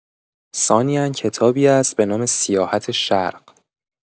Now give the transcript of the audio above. ثانیا کتابی است به نام سیاحت شرق